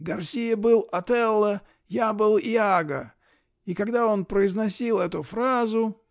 Гарсиа был Отелло -- я был Яго -- и когда он произносил эту фразу.